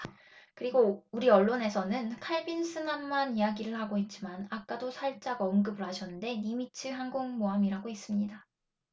그리고 우리 언론에는 칼빈슨함만 이야기를 하고 있지만 아까 도 살짝 언급을 하셨는데 니미츠 항공모함이라고 있습니다